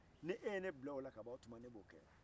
ni e ye ne bila o la ka ban o tuma ne b'o kɛ